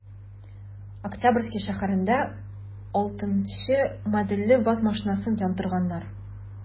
Октябрьский шәһәрендә 6 нчы модельле ваз машинасын яндырганнар.